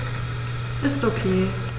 Ist OK.